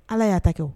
Ala y'a ta kɛ